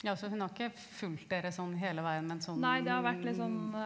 ja så hun har ikke fulgt dere sånn hele veien men sånn .